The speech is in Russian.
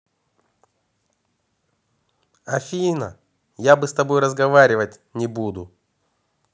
афина я бы с тобой разговаривать не буду